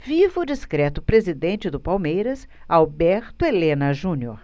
viva o discreto presidente do palmeiras alberto helena junior